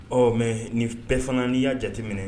Ɔ mɛ nin pfana'i y'a jate minɛ